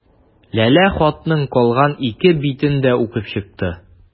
Ләлә хатның калган ике битен дә укып чыкты.